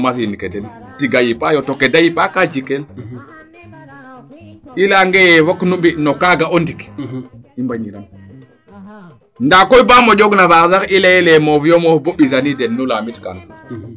machine ke den tiga yipaa yo to keede yipaa kaa jikel i leyaange ye fook nu mbi no kaaga o ndik i mbañiran ndaa koy baa moƴoog na faax sax i leyeele moof yo moof bo mbisaniid kel nu laamit kaan